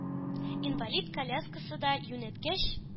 Инвалид коляскасы да юнәткәч,